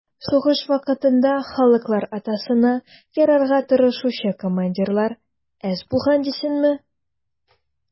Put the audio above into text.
Сугыш вакытында «халыклар атасына» ярарга тырышучы командирлар әз булган дисеңме?